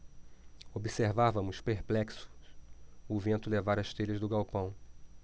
observávamos perplexos o vento levar as telhas do galpão